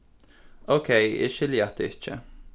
ókey eg skilji hatta ikki